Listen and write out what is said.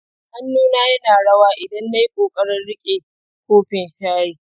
hannu na yana rawa idan nayi ƙoƙarin riƙe kopin shayi.